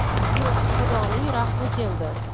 yo'q xudoning rahmi keldi